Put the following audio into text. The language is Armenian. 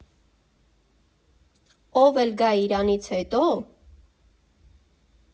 Ով էլ գա իրանից հետոոո…